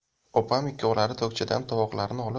opam ikkovlari tokchadan tovoqlarni